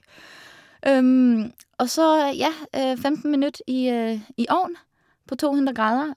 Og så, ja, femten minutt i i ovnen på to hundre grader.